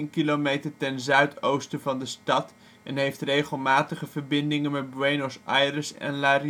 kilometer ten zuidoosten van de stad, en heeft regelmatige verbindingen met Buenos Aires en La